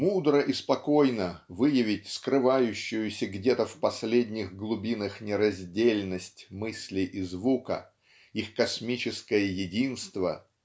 Мудро и спокойно выявить скрывающуюся где-то в последних глубинах нераздельность мысли и звука их космическое единство